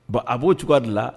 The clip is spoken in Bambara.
Bon a b'o cogoya dilan la